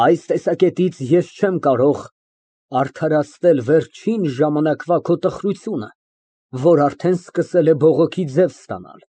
Այս տեսակետից ես չեմ կարող արդարացնել վերջին ժամանակվա քո տխրությունը, որ արդեն սկսել է բողոքի ձև ստանալ։